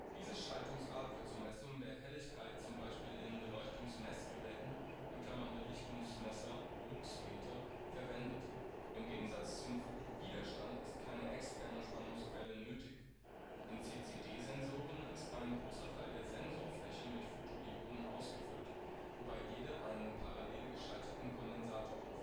Diese Schaltungsart wird zur Messung der Helligkeit, z. B. in Beleuchtungsmessgeräten (Belichtungsmesser, Luxmeter) verwendet. Im Gegensatz zum Photowiderstand ist keine externe Spannungsquelle nötig. In CCD-Sensoren ist ein großer Teil der Sensorfläche mit Photodioden ausgefüllt, wobei jede einen parallel geschalteten Kondensator